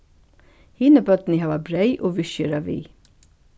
hini børnini hava breyð og viðskera við